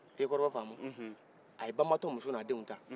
i ye kɔrɔfɔ famu a ye banbatɔ muso n'a den ta